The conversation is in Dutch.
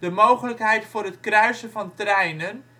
mogelijkheid voor het kruisen van treinen